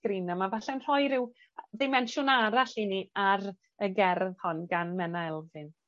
Greemham a falle'n rhoi ryw yy ddimensiwn arall i ni ar y gerdd hon gan Menna Elfyn.